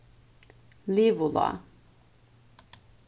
livulág